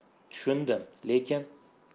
tushundim lekin